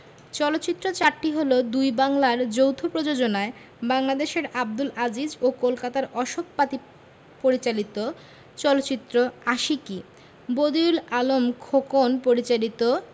চলচ্চিত্র চারটি হলো দুই বাংলার যৌথ প্রযোজনায় বাংলাদেশের আবদুল আজিজ ও কলকাতার অশোক পাতি পরিচালিত চলচ্চিত্র আশিকী বদিউল আলম খোকন পরিচালিত